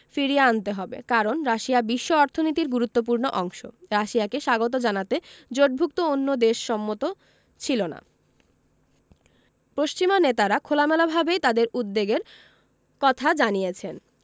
ফিরিয়ে আনতে হবে কারণ রাশিয়া বিশ্ব অর্থনীতির গুরুত্বপূর্ণ অংশ রাশিয়াকে স্বাগত জানাতে জোটভুক্ত অন্য দেশ সম্মত ছিল না পশ্চিমা নেতারা খোলামেলাভাবেই তাঁদের উদ্বেগের কথা জানিয়েছেন